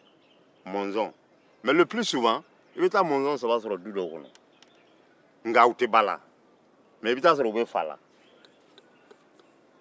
i bɛ taa mɔzɔn saba sɔrɔ du dɔw kɔnɔ u tɛ ba la nka u bɛ fa la